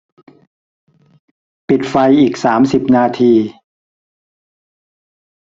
ปิดไฟอีกสามสิบนาที